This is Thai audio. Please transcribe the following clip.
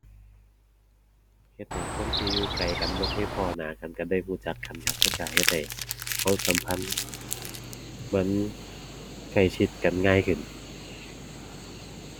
เฮ็ดให้คนที่อยู่ไกลกัน บ่เคยพ้อหน้ากัน ก็ได้รู้จักกันครับ มันก็เฮ็ดให้ความสัมพันธ์มันใกล้ชิดกันง่ายขึ้น